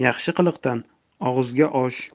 yaxshi qihqdan og'izga osh